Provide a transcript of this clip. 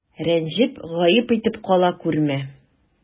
Рәнҗеп, гаеп итеп кала күрмә.